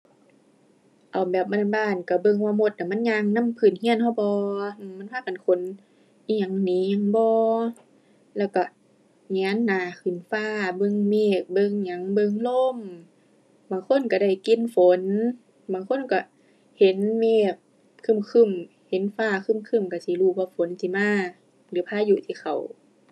เอาแบบบ้านบ้าน ก็เบิ่งว่ามดน่ะ มันย่างนำพื้นก็ก็บ่ อือ มันพากันขนอิหยังหนีหยังบ่ แล้วก็แหงนหน้าขึ้นฟ้า เบิ่งเมฆ เบิ่งหยัง เบิ่งลม บางคนก็ได้กลิ่นฝน บางคนก็เห็นเมฆครึ้มครึ้ม เห็นฟ้าครึ้มครึ้มก็สิรู้ว่าฝนสิมาหรือพายุสิเข้า